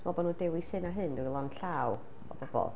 Fel bo' nhw'n dewis hyn a hyn, ryw lond llaw o bobl.